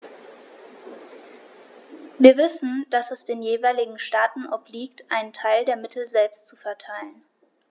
Wir wissen, dass es den jeweiligen Staaten obliegt, einen Teil der Mittel selbst zu verteilen.